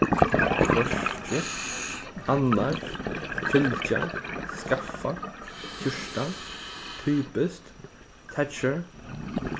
hvørki annars fylgja skaffa fjúrtan typiskt thatcher